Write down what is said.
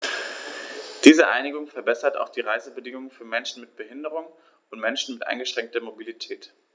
Diese Einigung verbessert auch die Reisebedingungen für Menschen mit Behinderung und Menschen mit eingeschränkter Mobilität.